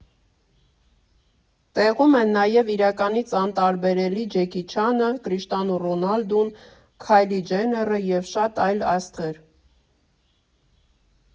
Տեղում են նաև իրականից անտարբերելի Ջեկի Չանը, Կրիշտիանու Ռոնալդուն, Քայլի Ջենները և շատ այլ աստղեր։